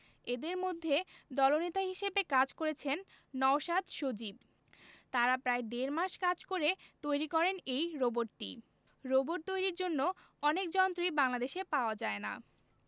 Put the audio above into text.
এদের মধ্যে দলনেতা হিসেবে কাজ করেছেন নওশাদ সজীব তারা প্রায় দেড় মাস কাজ করে তৈরি করেন এই রোবটটি রোবট তৈরির জন্য অনেক যন্ত্রই বাংলাদেশে পাওয়া যায় না